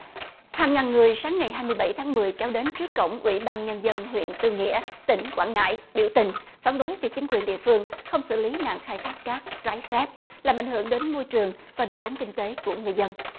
hàng ngàn người sáng ngày hai mươi bảy tháng mười kéo đến trước cổng ủy ban nhân dân huyện tư nghĩa tỉnh quảng ngãi biểu tình phản đối việc chính quyền địa phương không xử lý nạn khai thác cát trái phép làm ảnh hưởng đến môi trường và đời sống kinh tế của người dân